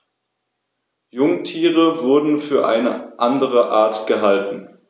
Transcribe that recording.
Jungtiere wurden für eine andere Art gehalten.